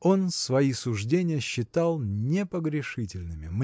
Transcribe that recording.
Он свои суждения считал непогрешительными